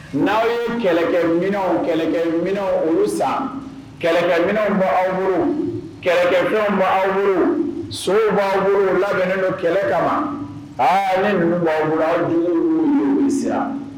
N' awaw ye kɛlɛkɛminw kɛlɛkɛmin olu san kɛlɛkɛminw bɔ awuru kɛlɛkɛfɛnw bɔ awuru sow b'awuru labɛnnen don kɛlɛ kama aa ne ninnu b'aw bolo aw di siran